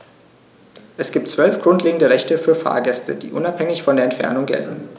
Es gibt 12 grundlegende Rechte für Fahrgäste, die unabhängig von der Entfernung gelten.